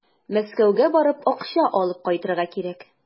Мәскәүгә барып, акча алып кайтырга кирәк.